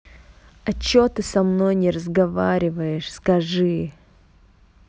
а че ты со мной не разговариваешь скажи